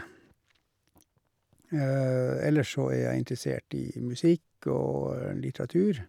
Ellers så er jeg interessert i musikk og litteratur.